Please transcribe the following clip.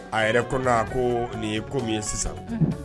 A yɛrɛ ko ko nin ye ko min ye sisan